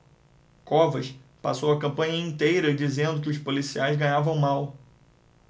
covas passou a campanha inteira dizendo que os policiais ganhavam mal